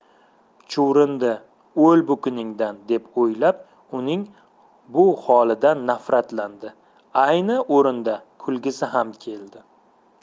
chuvrindi o'l bu kuningdan deb o'ylab uning bu holidan nafratlandi ayni o'rinda kulgisi ham keldi